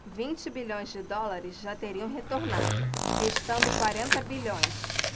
vinte bilhões de dólares já teriam retornado restando quarenta bilhões